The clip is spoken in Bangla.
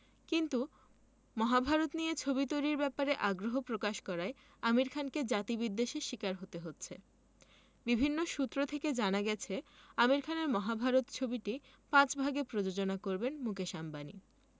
কিন্তু মহাভারত নিয়ে ছবি তৈরির ব্যাপারে আগ্রহ প্রকাশ করায় আমির খানকে জাতিবিদ্বেষের শিকার হতে হচ্ছে বিভিন্ন সূত্র থেকে জানা গেছে আমির খানের মহাভারত ছবিটি পাঁচ ভাগে প্রযোজনা করবেন মুকেশ আম্বানি